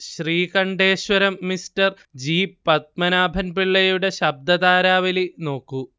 Sreekanteswaram mister G പത്മനാഭപിള്ളയുടെ ശബ്ദതാരാവലി നോക്കൂ